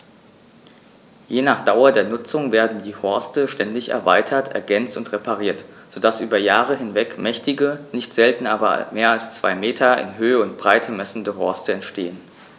Je nach Dauer der Nutzung werden die Horste ständig erweitert, ergänzt und repariert, so dass über Jahre hinweg mächtige, nicht selten mehr als zwei Meter in Höhe und Breite messende Horste entstehen.